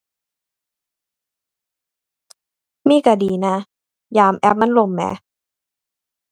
มีก็ดีนะ ยามแอปมันล่มแหม